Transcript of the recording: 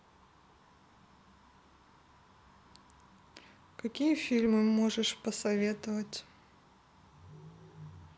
какие фильмы можешь посоветовать